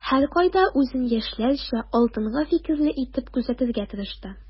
Һәркайда үзен яшьләрчә, алдынгы фикерле итеп күрсәтергә тырышты.